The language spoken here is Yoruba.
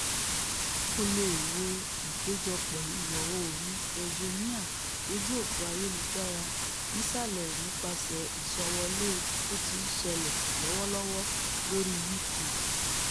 Ó leè wo ìpéjọpọ̀ Ìwọ-oòrùn Virginia lójú-òpó ayelujara nísàlẹ̀ nípaṣẹ̀ ìsànwọlé bótíńṣẹlẹ̀ lọ́wọ́lọ́wọ́ lórí YouTube.